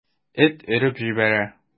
Эт өреп җибәрә.